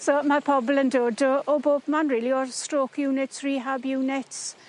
So ma'r pobol yn dod o o bob man rili o'r stroke units rehab units.